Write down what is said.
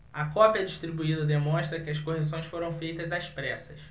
a cópia distribuída demonstra que as correções foram feitas às pressas